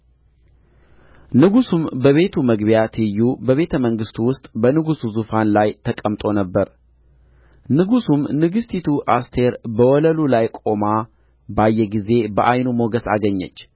ንጉሡም በቤቱ መግቢያ ትይዩ በቤተ መንግሥቱ ውስጥ በንጉሡ ዙፋን ላይ ተቀምጦ ነበር ንጉሡም ንግሥቲቱ አስቴር በወለሉ ላይ ቆማ ባየ ጊዜ በዓይኑ ሞገስ አገኘች